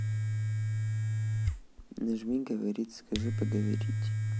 нажми говорит скажи поговорить